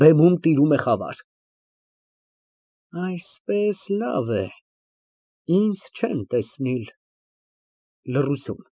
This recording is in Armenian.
Բեմում տիրում է խավար)։ Այսպես լավ է, ինձ չեն տեսնիլ։ (Լռություն։